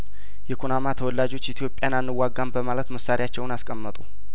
የኩናማ ተወላጆች ኢትዮጵያን አንዋጋም በማለት መሳሪያቸውን አስቀመጡ